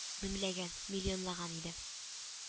Меңләгән, миллионлаган иде